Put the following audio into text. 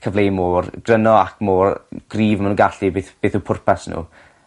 cyfleu môr gryno ac mor gryf ma' nw'n gallu beth beth yw pwrpas n'w.